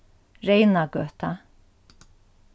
reynagøta